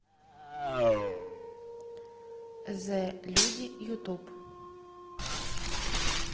зэ люди ютуб